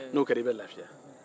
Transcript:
n'o kɛra i bɛ lafiya